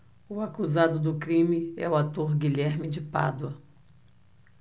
o acusado do crime é o ator guilherme de pádua